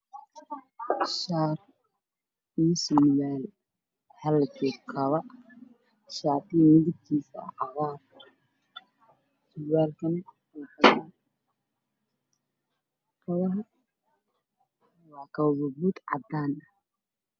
Shaar iyo surwaal , hal joog kabo. Shaatigu waa cagaar, surwaal kuna waa cadaan, kabaha waa buudbuud cadaan ah.